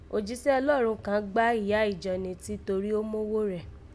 Òjísẹ́ Ọlọ́run kan gbá ìyá Ìjọ netí torí ó móghó re